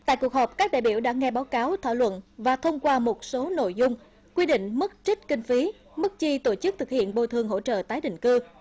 tại cuộc họp các đại biểu đã nghe báo cáo thảo luận và thông qua một số nội dung quy định mức trích kinh phí mức chi tổ chức thực hiện bồi thường hỗ trợ tái định cư